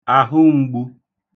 àhụm̄gbū